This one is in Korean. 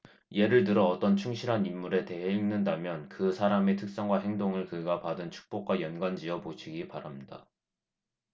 예를 들어 어떤 충실한 인물에 대해 읽는다면 그 사람의 특성과 행동을 그가 받은 축복과 연관 지어 보시기 바랍니다